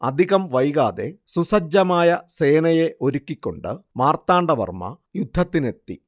അധികം വൈകാതെ സുസജ്ജമായ സേനയെ ഒരുക്കിക്കൊണ്ട് മാർത്താണ്ടവർമ്മ യുദ്ധത്തിനെത്തി